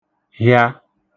hịa